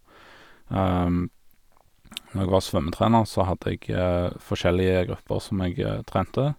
Når jeg var svømmetrener, så hadde jeg forskjellige grupper som jeg trente.